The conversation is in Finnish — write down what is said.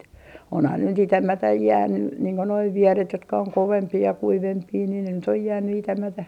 onhan ne nyt itämättä jäänyt niin kuin nuo vieret jotka on kovempia ja kuivempia niin ne nyt on jäänyt itämättä